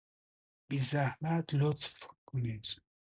بی‌زحمت لطف کنید